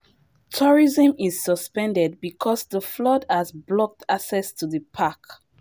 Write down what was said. Tourism is suspended because the flood has blocked access to the park.